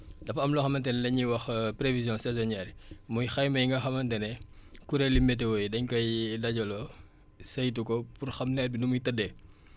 dafa am loo xamante ne la ñuy wax prévision saisonnière yi muy xayma yi nga xamante ne kuréeli météo yi dañ koy dajaloo saytu ko pour xam nawet bi nu muy tëddee